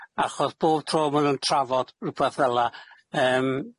achos bob tro ma' nw'n trafod rwbath fel 'a yym